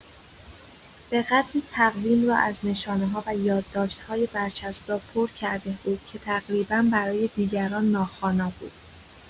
به قدری تقویم را از نشانه‌ها و یادداشت‌های برچسب‌دار پر کرده بود که تقریبا برای دیگران ناخوانا بود.